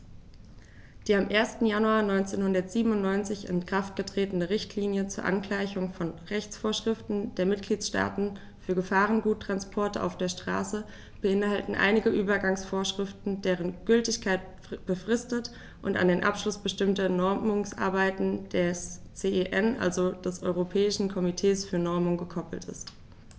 Die am 1. Januar 1997 in Kraft getretene Richtlinie zur Angleichung von Rechtsvorschriften der Mitgliedstaaten für Gefahrguttransporte auf der Straße beinhaltet einige Übergangsvorschriften, deren Gültigkeit befristet und an den Abschluss bestimmter Normungsarbeiten des CEN, also des Europäischen Komitees für Normung, gekoppelt ist.